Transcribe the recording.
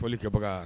Folilikɛbaga